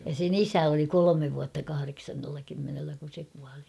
ja sen isä oli kolme vuotta kahdeksannella kymmenellä kun se kuoli